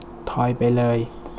ทอยไปเลย